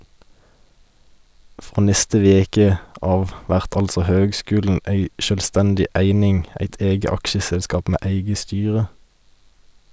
Frå neste veke av vert altså høgskulen ei sjølvstendig eining , eit eige aksjeselskap med eige styre.